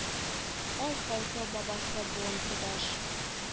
Ай халкы бабасы буын кодаш